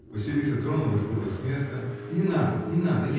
Василиса тронулась было с места. — Не надо, не надо